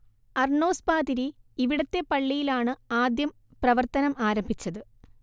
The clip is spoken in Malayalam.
അർണ്ണോസ് പാതിരി ഇവിടത്തെ പള്ളിയിലാണ് ആദ്യം പ്രവർത്തനം ആരംഭിച്ചത്